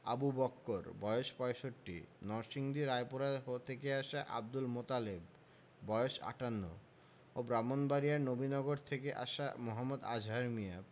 আবু বক্কর বয়স ৬৫ নরসিংদী রায়পুরা থেকে আসা আবদুল মোতালেব বয়স ৫৮ ও ব্রাহ্মণবাড়িয়ার নবীনগর থেকে আসা মো. আজহার মিয়া